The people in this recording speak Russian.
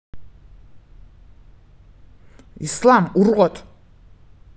ислам урод